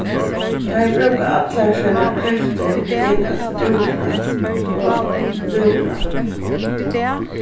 teir brúka allar sínar kreftir til at stúra og lúra